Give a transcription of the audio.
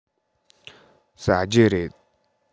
ཟ རྒྱུ རེད